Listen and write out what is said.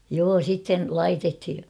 joo sitten laitettiin